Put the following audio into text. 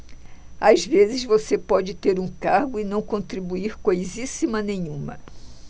às vezes você pode ter um cargo e não contribuir coisíssima nenhuma